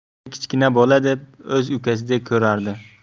meni kichkina bola deb o'z ukasidek ko'rar edi